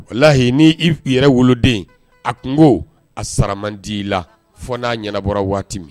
Wala lahi n' i yɛrɛ woloden a kungo a saraman di i la fo n'a ɲɛnabɔ waati min